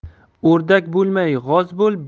o'rdak bo'lmay g'oz bo'l